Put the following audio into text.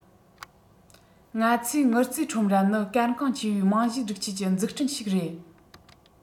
ང ཚོས དངུལ རྩའི ཁྲོམ ར ནི གལ འགངས ཆེ བའི རྨང གཞིའི སྒྲིག ཆས ཀྱི འཛུགས སྐྲུན ཞིག རེད